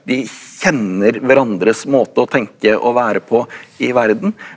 de kjenner hverandres måte å tenke og være på i verden.